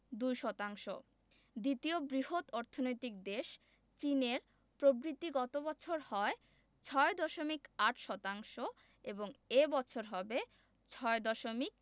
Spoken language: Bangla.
২ শতাংশ দ্বিতীয় বৃহৎ অর্থনৈতিক দেশ চীনের প্রবৃদ্ধি গত বছর হয় ৬.৮ শতাংশ এবং এ বছর হবে ৬.